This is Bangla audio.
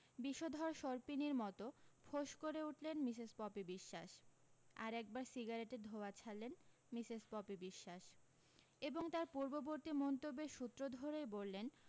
বিষধর সরপিনীর মতো ফোঁস করে উঠলেন মিসেস পপি বিশ্বাস আর একবার সিগারেটের ধোঁয়া ছাড়লেন মিসেস পপি বিশ্বাস এবং তার পূর্ববর্তী মন্তব্যের সূত্র ধরেই বললেন